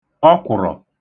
ọkwụ̀rọ̀